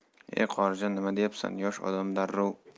e qorijon nima deyapsan yosh odam darrov